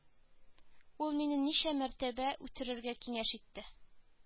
Ул мине ничә мәртәбә үтерергә киңәш итте